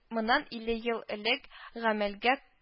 Моннан илле элек галәмгә